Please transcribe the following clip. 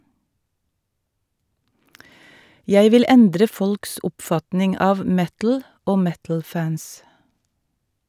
Jeg vil endre folks oppfatning av metal og metal-fans.